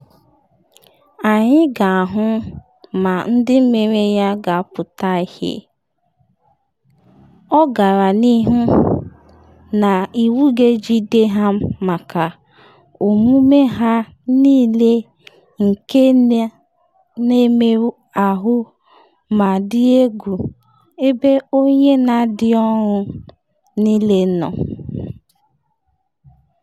“Anyị ga-ahụ na ndị mere ya ga-apụta ihie,” ọ gara n’ihu “na iwu ga-ejide ha maka omume ha niile nke na-emerụ ahụ ma dị egwu ebe onye na ndị ọrụ m niile nọ.